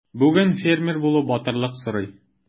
Бүген фермер булу батырлык сорый.